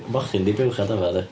Mochyn 'di buwch a dafad ia.